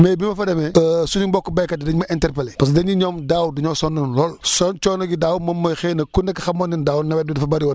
mais bi ma fa demee suñu mbokku béykat yi dañ ma interpeler parce que dañ ni ñoom daaw dañoo sonnoon lool seen coono gi daaw moom mooy xëy na ku nekk xamoon na ni daaw nawet bi dafa bëri woon